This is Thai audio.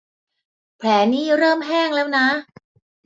แผลนี่เริ่มแห้งแล้วนะ